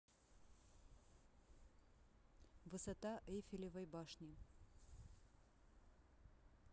высота эйфелевой башни